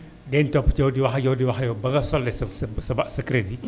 dinañ topp ci yow di wax ak yow di wax ak yow ba nga soldé sa sa sa ba sa crédit